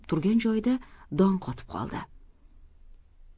turgan joyida dong qotib qoldi